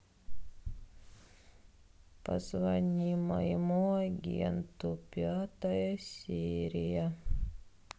позвони моему агенту пятая серия